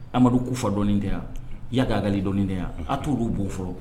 Amadu Kufa dɔnnen tɛ wa Yadi Agali dɔnnen tɛ wa a t'ulu bon fɔlɔ